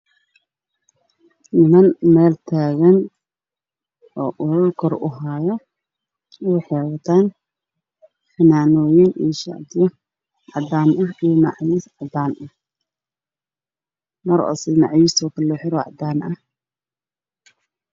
Niman meel taagan ulo kor uhaayo